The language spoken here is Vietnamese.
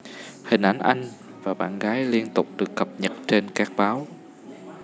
hình ảnh anh và bạn gái liên tục được cập nhật trên các báo